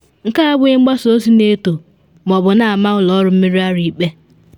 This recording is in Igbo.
Nke a abụghị mgbasa ozi na eto ma ọ bụ na ama ụlọ ọrụ mmiri ara ikpe.”